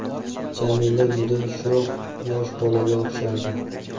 jamila juda sho'x yosh bolaga o'xshardi